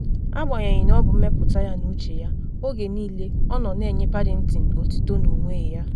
Agbanyeghị na ọ bụ mmepụta ya na uche ya, oge niile ọ nọ na enye Paddington otito n’onwe ya.”